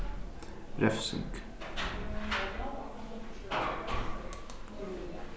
revsing